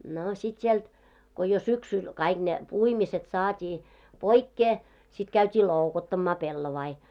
no sitten sieltä kun jo syksyllä kaikki ne puimiset saatiin poikkeen sitten käytiin loukuttamaan pellavia